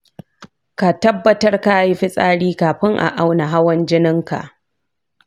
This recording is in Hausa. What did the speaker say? ka tabbatar kayi fitsari kafin a auna hawan jininka.